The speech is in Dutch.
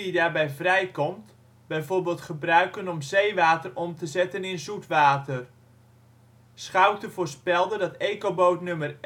daarbij vrijkomt bijvoorbeeld gebruiken om zeewater om te zetten in zoet water. Schoute voorspelde dat " Ecoboot nummer